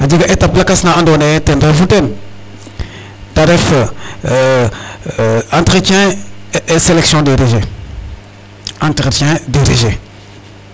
A fi'angaan rek Saliou étape nene suuranga a jega étape lakas na andoona yee ten reefu teen ta ref entretien et sélection des rejets entretien des rejets entretien et sélection des rejets.